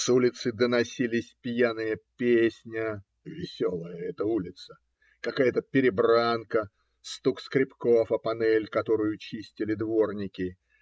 С улицы доносилась пьяная песня (веселая эта улица!), какая-то перебранка, стук скребков о панель, которую чистили дворники.